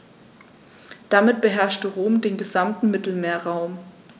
Damit beherrschte Rom den gesamten Mittelmeerraum.